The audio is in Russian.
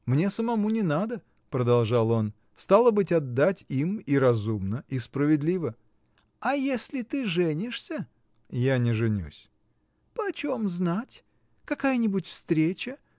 Мне самому не надо, — продолжал он, — стало быть, отдать им — и разумно, и справедливо. — А если ты женишься? — Я не женюсь. — Почем знать? Какая-нибудь встреча.